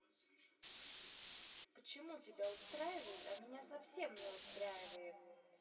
почему тебя устраивает а меня совсем не устраивает